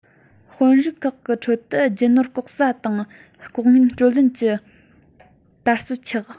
དཔོན རིགས ཁག གི ཁྲོད དུ རྒྱུ ནོར ལྐོག ཟ དང ལྐོག རྔན སྤྲོད ལེན གྱི དར སྲོལ ཆགས